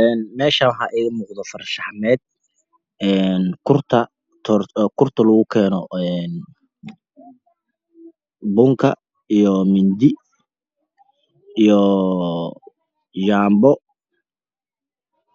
Een meeshaan waxaa iiga muuqda far shaxameed een kurta kurta lagu keeno een bunka iyo mindi iyo yaanbo